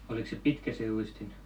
oliko se pitkä se uistin